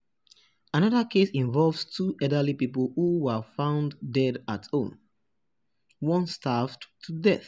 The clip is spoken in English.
Another case involves two elderly people who were found dead at home, one starved to death.